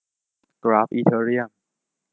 กราฟอีเธอเรียม